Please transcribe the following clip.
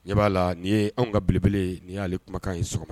Ne b'a la n'i ye anw ka belebele nii y'ale kumakan in sɔgɔma